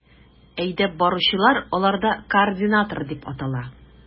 Әйдәп баручылар аларда координатор дип атала.